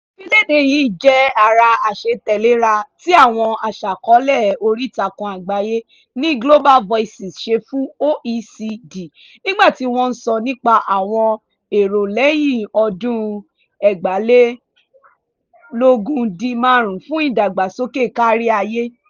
Ìfiléde yìí jẹ́ ara àṣetẹ̀léra tí àwọn aṣàkọọ́lẹ̀ oríìtakùn àgbáyé ní Global Voices ṣe fún OECD nígbà tí wọ́n ń sọ nípa àwọn èrò lẹ́yìn-2015 fún ìdàgbàsókè káríayé.